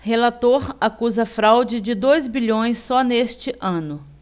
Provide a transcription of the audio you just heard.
relator acusa fraude de dois bilhões só neste ano